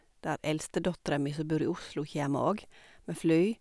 Der eldstedattera mi, som bor i Oslo, kjeme òg, med fly.